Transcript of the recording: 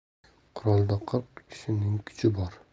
qirq igna bir juvoldiz bo'lmas